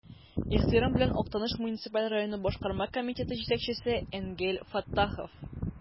Ихтирам белән, Актаныш муниципаль районы Башкарма комитеты җитәкчесе Энгель Фәттахов.